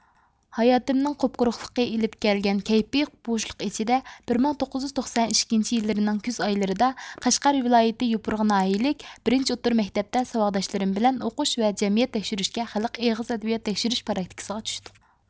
ھاياتىمنىڭ قۇپقۇرۇقلۇقى ئېلىپ كەلگەن كەيپى بوشلۇق ئىچىدە بىر مىڭ توققۇز يۈز توقسەن ئىككىنچى يىللىرىنىڭ كۈز ئايلىرىدا قەشقەر ۋىلايىتى يوپۇرغا ناھىيىلىك بىرىنچى ئوتتۇرا مەكتەپتە ساۋاقداشلىرىم بىلەن ئوقۇش ۋە جەمئىيەت تەكشۈرۈشكە خەلق ئېغىز ئەدەبىياتى تەكشۈرۈش پراكتىكىسىغا چۈشتۇق